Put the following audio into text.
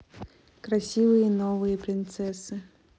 красивые новые принцессы